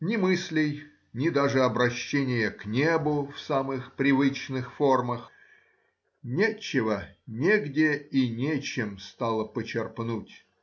ни мыслей, ни даже обращения к небу в самых привычных формах — нечего, негде и нечем стало почерпнуть.